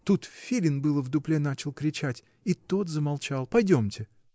Тут филин было в дупле начал кричать — и тот замолчал. Пойдемте.